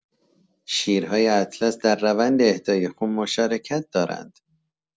شیرهای اطلس در روند اهدای خون مشارکت دارند.